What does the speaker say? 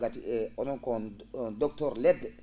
gati onoon kon docteur leɗɗe